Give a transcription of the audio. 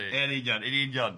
Ie yn union yn union.